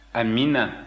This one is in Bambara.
amiina